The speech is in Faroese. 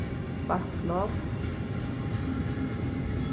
bakglopp